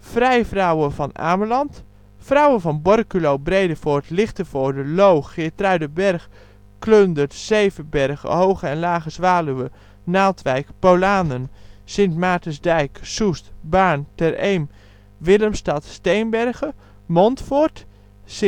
Vrijvrouwe van Ameland Vrouwe van Borculo, Bredevoort, Lichtenvoorde, Loo, Geertruidenberg, Klundert, Zevenbergen, Hoge en Lage Zwaluwe, Naaldwijk, Polanen, Sint Maartensdijk, Soest, Baarn, Ter Eem, Willemstad, Steenbergen, Montfoort, St. Vith